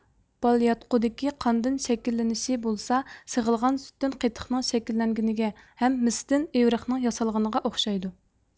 بالىياتقۇدىكى قاندىن شەكىللىنىشى بولسا سېغىلغان سۈتتىن قېتىقنىڭ شەكىللەنگىنىگە ھەم مىستىن ئىۋرىقنىڭ ياسالغىنىغا ئوخشايدۇ